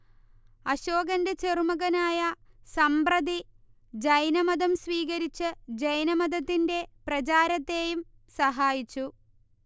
അശോകന്റെ ചെറുമകനായ സമ്പ്രതി ജൈനമതം സ്വീകരിച്ച് ജൈനമതത്തിന്റെ പ്രചാരത്തേയും സഹായിച്ചു